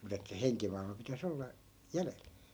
mutta että henkimaailma pitäisi olla jäljellä